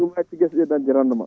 ɗum hatta gueseɗe dañje rendement